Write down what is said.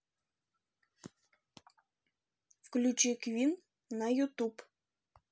включи квин на ютуб